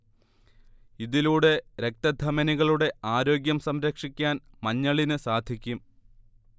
ഇതിലൂടെ രക്തധമനികളുടെ ആരോഗ്യം സംരക്ഷിക്കാൻ മഞ്ഞളിന് സാധിക്കും